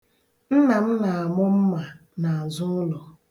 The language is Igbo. Nna m na-amụ mma n'azụ ụlọ.